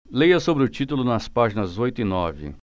leia sobre o título nas páginas oito e nove